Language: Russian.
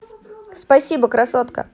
спасибо красотка